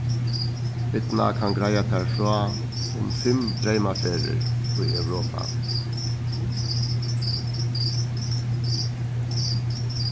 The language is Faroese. birna kann greiða tær frá um fimm dreymaferðir í europa